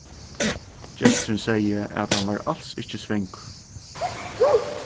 gesturin segði at hann var als ikki svangur